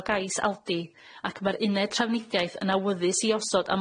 o gais Aldi ac ma'r uned trafniddiaeth yn awyddus i osod